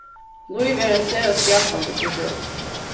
lív er ein sera skapandi persónur